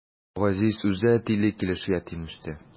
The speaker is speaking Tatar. Газиз үзе әтиле килеш ятим үсте.